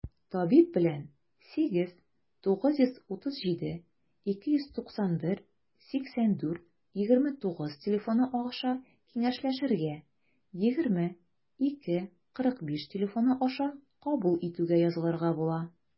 Табиб белән 89372918429 телефоны аша киңәшләшергә, 20-2-45 телефоны аша кабул итүгә язылырга була.